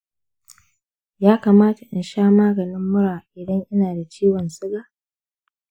yakamata in sha maganin mura idan ina da ciwon siga?